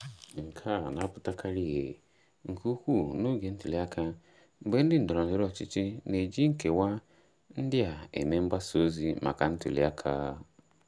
Nke a na-apụtakarị ihe nke ukwuu n'oge ntuliaka mgbe ndị ndọrọndọrọ ọchịchị na-eji nkewa ndị a eme mgbasa ozi maka ntuliaka.